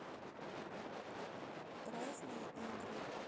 разные игры